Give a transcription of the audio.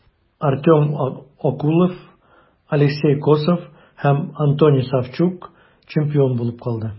Артем Окулов, Алексей Косов һәм Антоний Савчук чемпион булып калды.